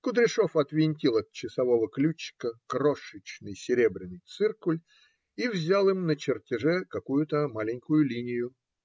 Кудряшов отвинтил от часового ключика крошечный серебряный циркуль и взял им на чертеже какую-то маленькую линию.